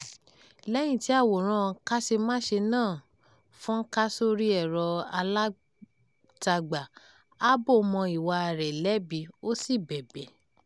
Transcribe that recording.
Lẹ́yìn tí àwòrán càṣemáṣe náà fọ́n ká sórí ẹ̀rọ alátagbà, Abbo offered mọ ìwàa rẹ̀ lẹ́bí, ó sì bẹ̀bẹ̀.